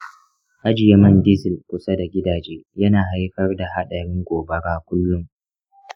ajiye man diesel kusa da gidaje yana haifar da haɗarin gobara kullum.